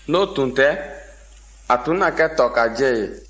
n'o tun tɛ a tun na kɛ tɔkajɛ ye